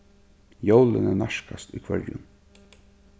jólini nærkast í hvørjum